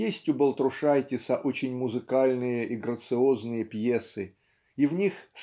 есть у Балтрушайтиса очень музыкальные и грациозные пьесы и в них